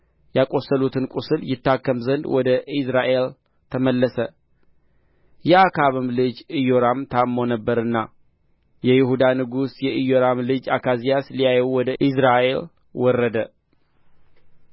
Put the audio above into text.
ያቈሰሉትን ቍስል ይታከም ዘንድ ወደ ኢይዝራኤል ተመለሰ የአክዓብም ልጅ ኢዮራም ታምሞ ነበርና የይሁዳ ንጉሥ የኢዮራም ልጅ አካዝያስ ሊያየው ወደ ኢይዝራኤል ወረደ